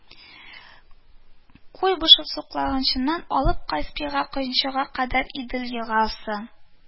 Куйбышев сусаклагычыннан алып Каспийга койганчыга кадәр Идел елгасы